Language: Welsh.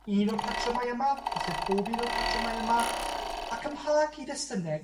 un o'r patrymau yma, falle pob un o patrymau yma? Ac y mha cyd-testune